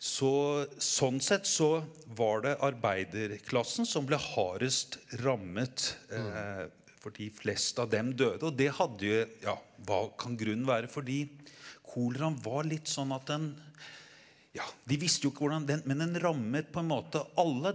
så sånn sett så var det arbeiderklassen som ble hardest rammet fordi flest av dem døde og det hadde ja hva kan grunnen være fordi koleraen var litt sånn at den ja de visste jo ikke hvordan den men den rammet på en måte alle.